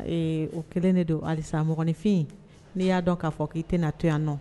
Ee o kɛlen de don alisa mɔgɔninfin n'i y'a dɔn k'a fɔ k'i tɛna na to yan nɔ